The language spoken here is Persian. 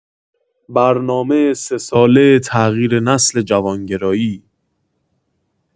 برنامه سه‌ساله تغییر نسل جوانگرایی